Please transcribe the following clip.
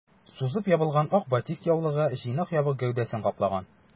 Сузып ябылган ак батист яулыгы җыйнак ябык гәүдәсен каплаган.